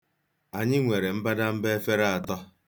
Anyị nwere mbadamba efere atọ.